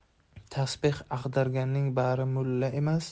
tasbeh ag'darganning bari mulla emas